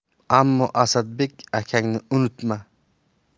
ammo asadbek akangni unutma